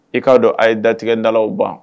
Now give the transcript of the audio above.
I k'a don a ye datigɛdalaw ban